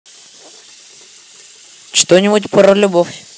что нибудь про любовь